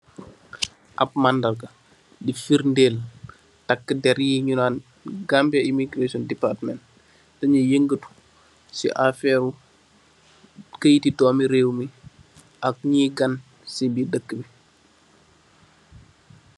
Ap mandarga búy fridel ap taka dèrr yun nan Gambia Immigration Department dañee yangatu si aferu kayiti domi reew mi ak ñi gan ci biir dekka bi .